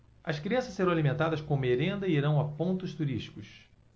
as crianças serão alimentadas com merenda e irão a pontos turísticos